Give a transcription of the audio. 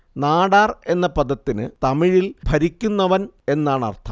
നാടാർ എന്ന പദത്തിന് തമിഴിൽ ഭരിക്കുന്നവൻ എന്നാണർഥം